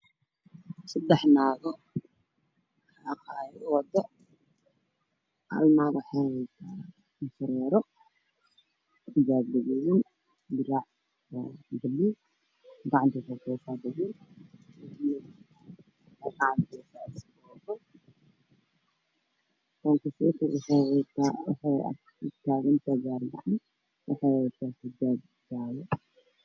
Saddex naago xaaqaayo waddo halnaag waxay wadataaa indho shareer xijaab guduudwn iyo dirac gacanta waxay ku wadataa jijin 24 waxay agtaagantahy gaari gacan waxay wadataa indho shareer